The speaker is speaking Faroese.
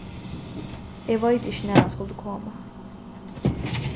eg veit ikki nær hann skuldi koma